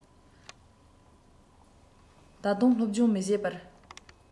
ད དུང སློབ སྦྱོང མི བྱེད པར